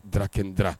Dakɛdi